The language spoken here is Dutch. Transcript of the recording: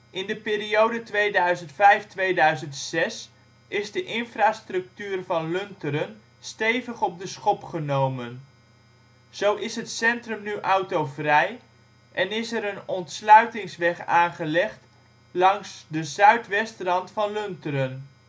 In de periode 2005 - 2006 is de infrastructuur van Lunteren stevig op de schop genomen. Zo is het centrum nu autovrij en is er een ontsluitingsweg aangelegd langs de zuid-west rand van Lunteren